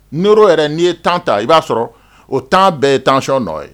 N' yɛrɛ n'i ye tan ta i b'a sɔrɔ o tan bɛɛ ye tanyɔn nɔ ye